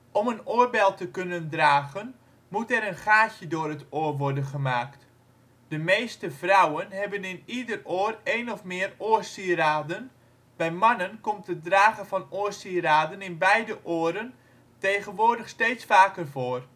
Om een oorbel te kunnen dragen moet er een gaatje door het oor worden gemaakt. De meeste vrouwen hebben in ieder oor één of meer oorsieraden, bij mannen komt het dragen van oorsieraden in beide oren tegenwoordig steeds vaker voor